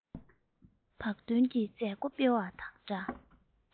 བག སྟོན གྱི མཛད སྒོ སྤེལ བ དང འདྲ